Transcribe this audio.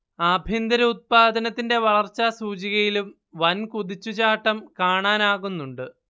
ആഭ്യന്തര ഉത്പാദനത്തിന്റെ വളർച്ചാ സൂചികയിലും വൻകുതിച്ചു ചാട്ടം കാണാനാകുന്നുണ്ട്